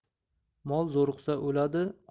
mol zo'riqsa o'ladi